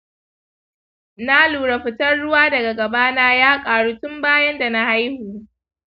na lura fitan ruwa daga gabana ya karu tun bayan dana haihu